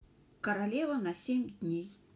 королева на семь дней